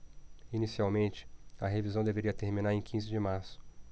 inicialmente a revisão deveria terminar em quinze de março